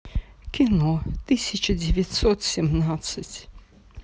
кино тысяча девятьсот семнадцать